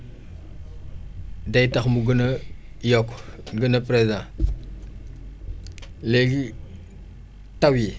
day tax mu gën a yokku gën a présent léegi taw yi